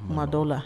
Kuma dɔw la